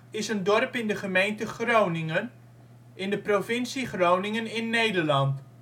is een dorp in de gemeente Groningen, in de provincie Groningen in Nederland